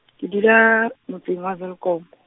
ke dula, motseng wa Welkom .